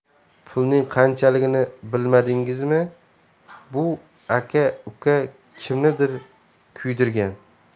pulning qanchaligini bilmadingizmi bu aka uka kimnidir kuydirgan